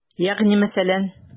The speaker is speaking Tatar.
Ягъни мәсәлән?